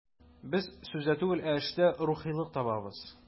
Без сүздә түгел, ә эштә рухилык табабыз.